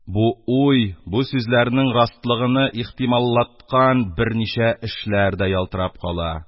Бу «уй», бу «сүз»ләрнең растлыгыны ихтималлаткан берничә эшләр дә ялтырап кала.